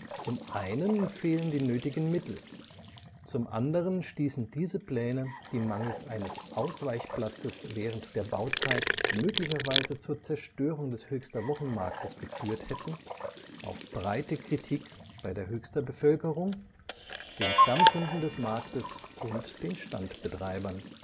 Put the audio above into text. Zum einen fehlen die nötigen Mittel, zum anderen stießen diese Pläne, die mangels eines Ausweichplatzes während der Bauzeit möglicherweise zur Zerstörung des Höchster Wochenmarktes geführt hätten, auf breite Kritik bei der Höchster Bevölkerung, den Stammkunden des Marktes und den Standbetreibern